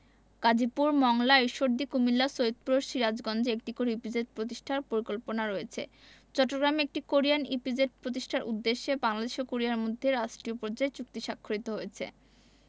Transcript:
গাজীপুর মংলা ঈশ্বরদী কুমিল্লা সৈয়দপুর ও সিরাজগঞ্জে একটি করে ইপিজেড প্রতিষ্ঠার পরিকল্পনা রয়েছে চট্টগ্রামে একটি কোরিয়ান ইপিজেড প্রতিষ্ঠার উদ্দেশ্যে বাংলাদেশ ও কোরিয়ার মধ্যে রাষ্ট্রীয় পর্যায়ে চুক্তি স্বাক্ষরিত হয়েছে